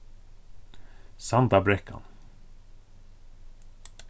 sandabrekkan